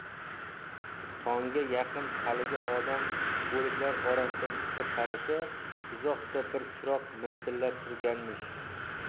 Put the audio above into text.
tongga yaqin haligi odam o'liklar orasidan chiqib qarasa uzoqda bir chiroq miltillab turganmish